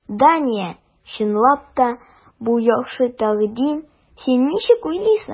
Дания, чынлап та, бу яхшы тәкъдим, син ничек уйлыйсың?